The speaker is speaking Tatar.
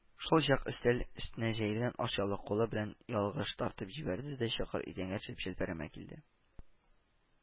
Шул чак өстәл өстенә җәйгән ашъяулыкны кулы белән ялгыш тартып җибәрде дә, чокыр идәнгә төшеп челпәрәмә килде